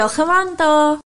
Diolch am wrando.